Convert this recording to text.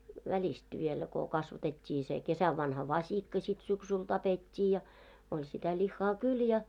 välistä vielä kun kasvatettiin se kesänvanha vasikka sitten syksyllä tapettiin ja oli sitä lihaa kyllä ja